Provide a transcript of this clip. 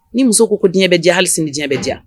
Ni muso ko ko diɲɛ bɛ diya hali sini diɲɛ bɛ diya